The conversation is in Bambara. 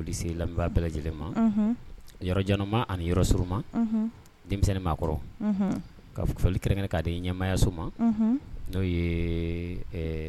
Ma denmisɛnnin maa kɔrɔ kalikɛrɛnkɛ k'a di ɲɛmaya so n'o ye